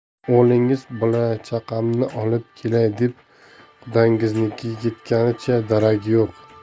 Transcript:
o'g'lingiz bolachaqamni olib kelay deb qudangiznikiga ketganicha daragi yo'q